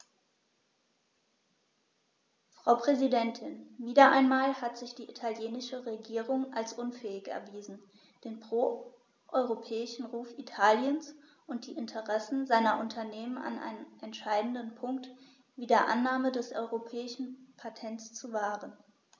Frau Präsidentin, wieder einmal hat sich die italienische Regierung als unfähig erwiesen, den pro-europäischen Ruf Italiens und die Interessen seiner Unternehmen an einem entscheidenden Punkt wie der Annahme des europäischen Patents zu wahren.